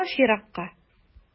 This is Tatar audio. Кач еракка.